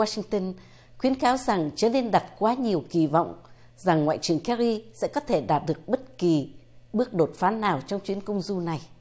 sinh tơn khuyến cáo rằng chưa nên đặt quá nhiều kỳ vọng rằng ngoại trưởng ke ri sẽ có thể đạt được bất kỳ bước đột phá nào trong chuyến công du này